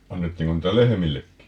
annettiinko niitä lehmillekin